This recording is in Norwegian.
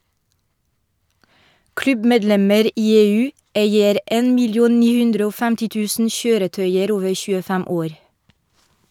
Klubbmedlemmer i EU eier 1 950 000 kjøretøyer over 25 år.